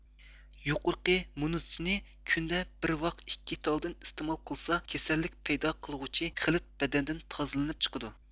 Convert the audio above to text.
يۇقىرىقى مۇنىزچنى كۈندە بىر ۋاخ ئىككى تالدىن ئىستېمال قىلسا كېسەللىك پەيدا قىلغۇچى خىلىت بەدەندىن تازىلىنىپ چىقىدۇ